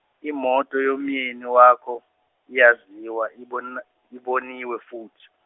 imoto yomyeni wakho iyaziwa, ibona- iboniwe futhi.